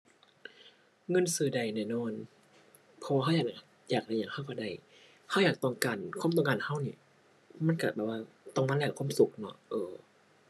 เงินซื้อได้แน่นอน เพราะว่าเรา อยากได้หยังเรากะได้ เราอยากต้องการความต้องการเรานี่ มันเราแบบว่าต้องมาแลกความสุขเนาะ เออ